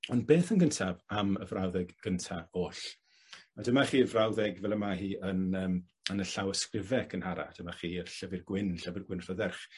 Ond beth yn gyntaf am y frawddeg gynta oll. A dyma chi'r frawddeg fel y ma' hi yn yym yn y llawysgrife cynharach dyma chi'r Llyfyr Gwyn Llyfyr Rhydderch.